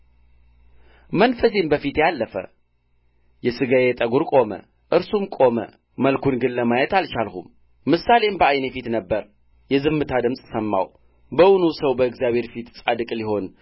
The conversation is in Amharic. መንፈስም በፊቴ አለፈ የሥጋዬ ጠጕር ቆመ እርሱም ቆመ መልኩን ግን ለመለየት አልቻልሁም ምሳሌም በዓይኔ ፊት ነበረ የዝምታ ድምፅ ሰማሁ በውኑ ሰው በእግዚአብሔር ፊት ጻድቅ ሊሆን